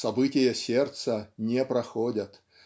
События сердца не проходят